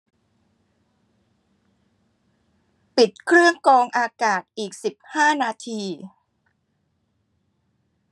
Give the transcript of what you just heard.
ปิดเครื่องกรองอากาศอีกสิบห้านาที